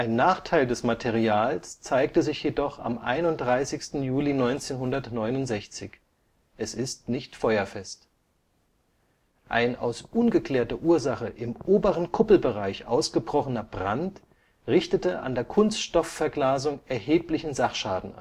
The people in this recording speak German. Nachteil des Materials zeigte sich jedoch am 31. Juli 1969: es ist nicht feuerfest. Ein aus ungeklärter Ursache im oberen Kuppelbereich ausgebrochener Brand richtete an der Kunststoffverglasung erheblichen Sachschaden